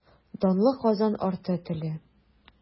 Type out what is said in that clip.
Данлы Казан арты теле.